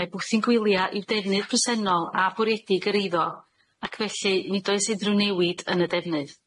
mai bwthyn gwylia' yw defnydd presennol a bwriedig yr eiddo ac felly nid oes idd ryw newid yn y defnydd.